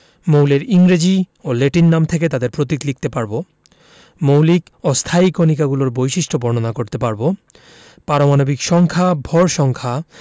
মৌলের ইংরেজি ও ল্যাটিন নাম থেকে তাদের প্রতীক লিখতে পারব মৌলিক ও স্থায়ী কণিকাগুলোর বৈশিষ্ট্য বর্ণনা করতে পারব পারমাণবিক সংখ্যা ভর সংখ্যা